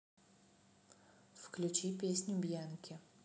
включи песню бьянки